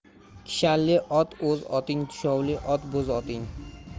kishanli ot o'z oting tushovli ot bo'z oting